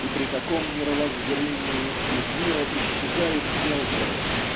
и при таком мировоззрении из мира исчезает мелкое